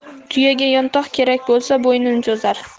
tuyaga yantoq kerak bo'lsa bo'ynini cho'zar